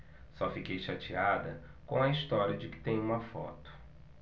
só fiquei chateada com a história de que tem uma foto